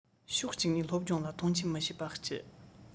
ཕྱོགས གཅིག ནས སློབ སྦྱོང ལ མཐོང ཆེན མི བྱེད པ སྤྱི